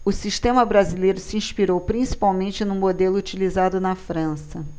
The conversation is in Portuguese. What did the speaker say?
o sistema brasileiro se inspirou principalmente no modelo utilizado na frança